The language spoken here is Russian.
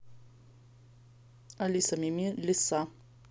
алиса мими лисса